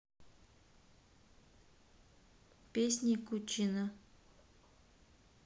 песни кучина